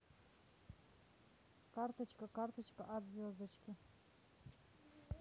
карточка карточка от звездочки